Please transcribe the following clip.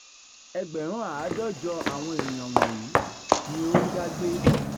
Ẹgbẹ̀rún 150 àwọn ènìyàn wọ̀nyí ni ó ń dá gbé.